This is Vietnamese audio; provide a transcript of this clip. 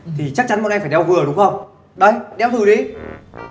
thì chắc chắn bọn em phải đeo vừa đúng không đây đeo thử đi